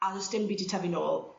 a ddo's dim byd 'di tyfu nôl